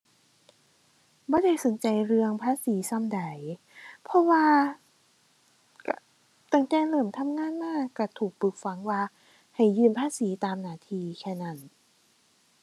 บ่ได้สนใจเรื่องภาษีส่ำใด เพราะว่าก็ตั้งแต่เริ่มทำงานมาก็ถูกปลูกฝังว่าให้ยื่นภาษีตามหน้าที่แค่นั้น